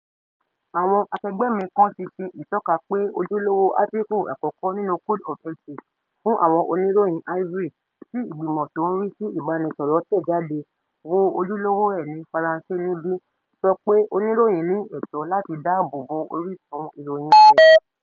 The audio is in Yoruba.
Àwọn akẹgbẹ́ mi kàn tí ṣe ìtọ́ka pé ojúlówó átíkù àkọ́kọ́ nínú Code of Ethics fún àwọn Oníròyìn Ivory tí Ìgbìmọ̀ tó ń rí sii Ìbánisọ̀rọ̀ tẹ jáde (wo ojúlówó ẹ ní Faranse níbí) sọ pé "Oníròyìn ní ẹ̀tọ̀ láti dáàbò bo orísun ìròyìn rẹ̀".